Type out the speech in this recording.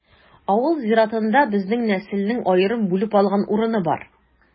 Авыл зиратында безнең нәселнең аерым бүлеп алган урыны бар.